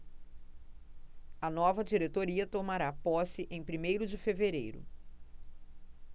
a nova diretoria tomará posse em primeiro de fevereiro